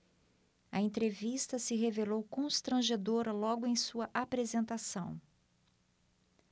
a entrevista se revelou constrangedora logo em sua apresentação